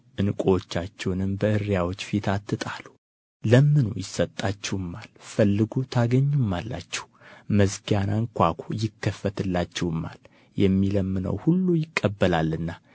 ዕንቁዎቻችሁንም በእሪያዎች ፊት አትጣሉ ለምኑ ይሰጣችሁማል ፈልጉ ታገኙማላችሁ መዝጊያን አንኳኩ ይከፈትላችሁማል የሚለምነው ሁሉ ይቀበላልና